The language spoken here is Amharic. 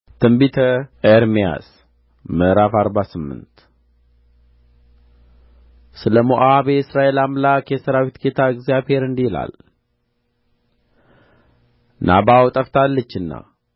ትንቢተ ኤርምያስ ምዕራፍ አርባ ስምንት ስለ ሞዓብ የእስራኤል አምላክ የሠራዊት ጌታ እግዚአብሔር እንዲህ ይላል ናባው ጠፍታለችና